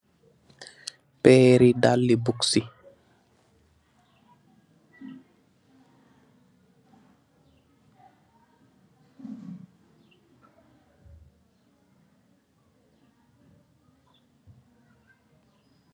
Peri daali buds si.